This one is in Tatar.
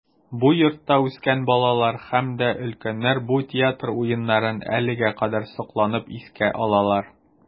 Бу йортта үскән балалар һәм дә өлкәннәр бу театр уеннарын әлегә кадәр сокланып искә алалар.